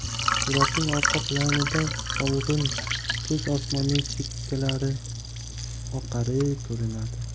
suratning orqa planida so'lg'in kuz osmonining chekkalari oqarib ko'rinadi